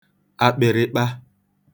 akpịrịkpa